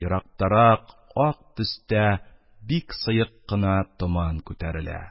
Ерактарак ак төстә бик сыек кына томан күтәрелә.